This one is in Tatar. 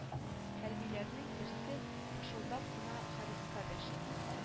Хәрбиләрнең берсе пышылдап кына хариска дәште